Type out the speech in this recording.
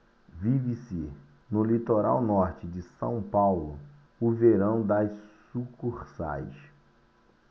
vive-se no litoral norte de são paulo o verão das sucursais